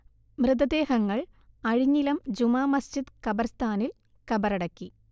മൃതദേഹങ്ങൾ അഴിഞ്ഞിലം ജുമാ മസ്ജിദ് കബർസ്ഥാനിൽ കബറടക്കി